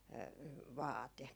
vaate